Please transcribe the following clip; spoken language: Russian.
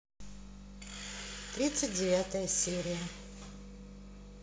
тридцать девятая серия